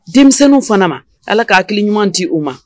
Denmisɛnww fana ma ala k'a hakili ɲuman di u ma